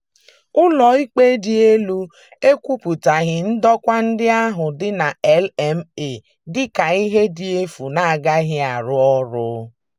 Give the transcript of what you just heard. Ụlọikpe Dị Elu ekwupụtaghị ndokwa ndị ahụ dị na LMA dị ka ihe dị efu na-agaghị arụ ọrụ.